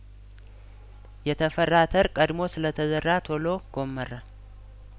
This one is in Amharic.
የተፈራ አተር ቀድሞ ስለተዘራ ቶሎ ጐመራ